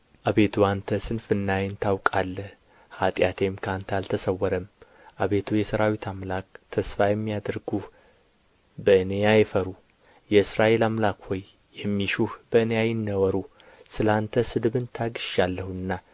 አቤቱ አንተ ስንፍናዬን ታውቃለህ ኃጢአቴም ከአንተ አልተሰወረም አቤቱ የሠራዊት አምላክ ተስፋ የሚያደርጉህ በእኔ አይፈሩ የእስራኤል አምላክ ሆይ የሚሹህ በእኔ አይነወሩ ስለ አንተ ስድብን ታግሻለሁና